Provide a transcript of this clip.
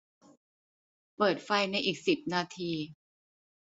เปิดไฟในอีกสิบนาที